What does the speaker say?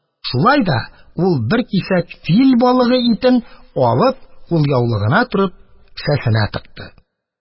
Шулай да ул бер кисәк фил балыгы итен, алып, кулъяулыгына төреп, кесәсенә тыкты.